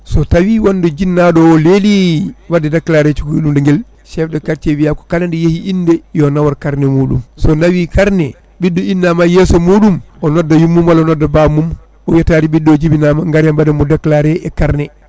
so tawi wonɗo jinnaɗo o leeli wadde déclaré cukalel guel chef de quartier wiya ko kalade nde yeeyi inde yo nawor carnet muɗum so nawi carnet ɓiɗɗo innama e yeeso muɗum o nodda yummum walla o nodda bamum o wiya taade ɓiɗɗo o jibinama gaare mbaɗenmo déclaré e carnet